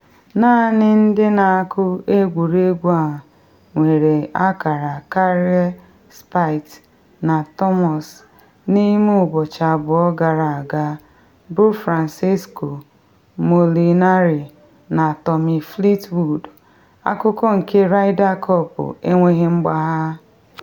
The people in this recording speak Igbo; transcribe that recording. Naanị ndị na-akụ egwuregwu a nwere akara karịa Spieth na Thomas n’ime ụbọchị abụọ gara aga bụ Francesco Molinari na Tommy Fleetwood, akụkọ nke Ryder Cup enweghị mgbagha.